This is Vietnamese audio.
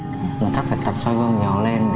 chắc phải tập soi gương